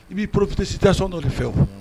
I b'i poroptesi taa sɔn nɔ de fɛ o